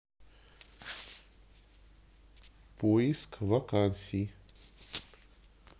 поиск вакансий